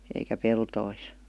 eikä peltoihin